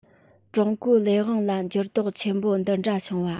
ཀྲུང གོའི ལས དབང ལ འགྱུར ལྡོག ཆེན པོ འདི འདྲ བྱུང བ